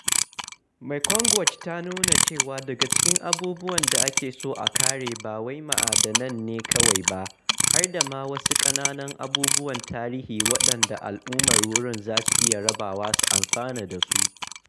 Mekong Watch ta nuna cewa daga cikin abubuwan da ake so a kare ba wai ma'adanan ne ba kawai, har ma da "wasu ƙananan abubuwan tarihi" waɗanda al'ummar wurin za su iya rabawa su amfana da su.